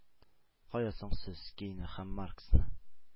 Кая соң сез, Гейне һәм Марксны